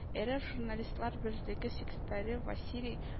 Эрэф журналистлар берлеге секретаре василий